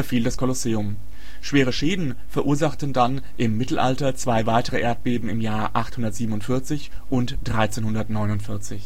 das Kolosseum. Schwere Schäden verursachten dann im Mittelalter zwei weitere Erdbeben im Jahre 847 und 1349